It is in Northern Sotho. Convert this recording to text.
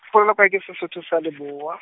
polelo ya ke Sesotho sa Leboa.